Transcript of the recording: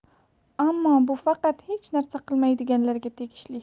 ammo bu faqat hech narsa qilmaydiganlarga tegishli